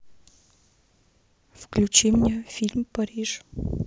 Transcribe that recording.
включи мне фильм париж